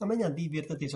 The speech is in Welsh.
A ma' 'wna'n ddifyr dydi?